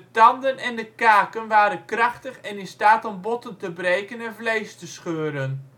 tanden in de kaken waren krachtig en in staat om botten te breken en vlees te scheuren